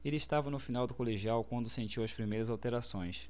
ele estava no final do colegial quando sentiu as primeiras alterações